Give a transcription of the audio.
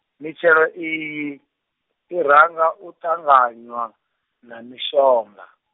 mitshelo iyi, i ranga u ṱanganywa, na mishonga.